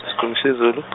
sikhulumi isiZulu.